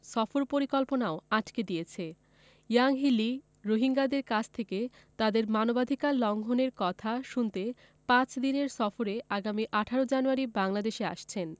সফর পরিকল্পনাও আটকে দিয়েছে ইয়াংহি লি রোহিঙ্গাদের কাছ থেকে তাদের মানবাধিকার লঙ্ঘনের কথা শুনতে পাঁচ দিনের সফরে আগামী ১৮ জানুয়ারি বাংলাদেশে আসছেন